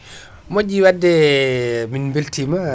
moƴƴi wadde min beltima